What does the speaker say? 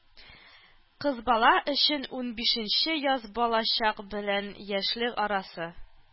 Кыз бала өчен унбишенче яз балачак белән яшьлек арасы.